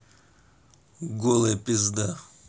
голая пизда